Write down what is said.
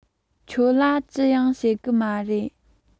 ཁྱོད ལ ཅི ཡང བཤད གི མ རེད